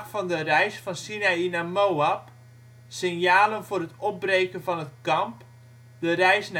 van de reis van Sinaï naar Moab: Signalen voor het opbreken van het kamp, de reis